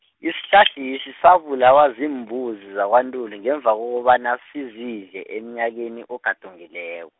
isihlahlesi sabulawa ziimbuzi zakwaNtuli, ngemva ko- kobana zisidle unyakeni ogadungileo-.